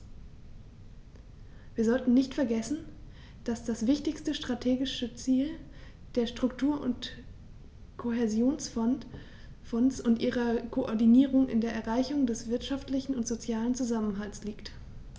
Wir sollten nicht vergessen, dass das wichtigste strategische Ziel der Struktur- und Kohäsionsfonds und ihrer Koordinierung in der Erreichung des wirtschaftlichen und sozialen Zusammenhalts liegt.